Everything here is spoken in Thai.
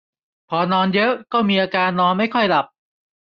พอนอนเยอะก็มีอาการนอนไม่ค่อยหลับ